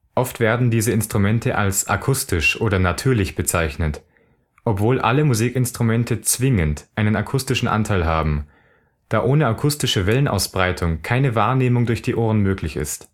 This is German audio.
Oft werden diese Instrumente als „ akustisch “oder „ natürlich “bezeichnet, obwohl alle Musikinstrumente zwingend einen akustischen Anteil haben, da ohne akustische Wellenausbreitung keine Wahrnehmung durch die Ohren möglich ist